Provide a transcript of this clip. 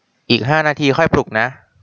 อีกห้านาทีค่อยปลุกนะ